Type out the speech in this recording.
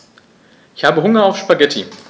Ich habe Hunger auf Spaghetti.